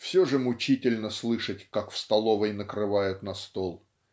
все же мучительно слышать, как в столовой накрывают на стол